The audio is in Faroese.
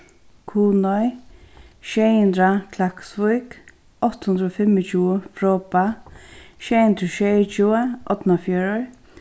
kunoy sjey hundrað klaksvík átta hundrað og fimmogtjúgu froðba sjey hundrað og sjeyogtjúgu árnafjørður